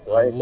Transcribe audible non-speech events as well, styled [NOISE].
[HESITATION] [HESITATION]